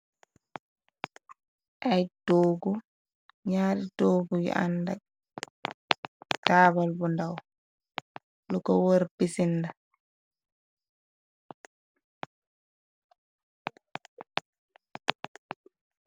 Ay toogu nari toogu yu anda tabal bu ndaw. Lu ko wër pisinla.